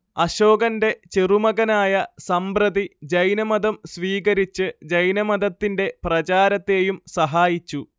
അശോകന്റെ ചെറുമകനായ സമ്പ്രതി ജൈനമതം സ്വീകരിച്ച് ജൈനമതത്തിന്റെ പ്രചാരത്തേയും സഹായിച്ചു